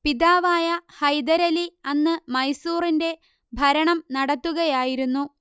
പിതാവായ ഹൈദരലി അന്ന് മൈസൂരിന്റെ ഭരണം നടത്തുകയായിരുന്നു